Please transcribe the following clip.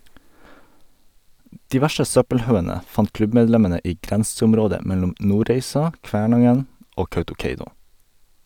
De verste søppelhaugene fant klubbmedlemmene i grenseområdet mellom Nordreisa, Kvænangen og Kautokeino.